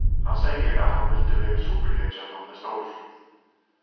hann segði at hann vildi vera superhetja tá hann bleiv stórur